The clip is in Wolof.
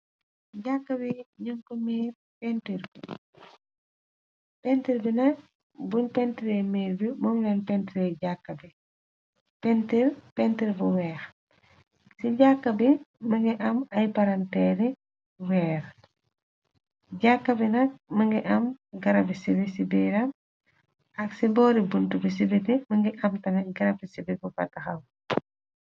Jakka bi ñënko miir pentir ko. Pentir bi nak, buñ pentre miir bi, moomleen pentre jàkk bi, pentir, pentir bu weex. Ci jàkka bi mënga am ay paranteeri weex. Jàkka bi na më nga am garabi sibi ci biiram ak ci boori buntu bi sibiti, më nga am tamit garabi sibi bu fa taxaw.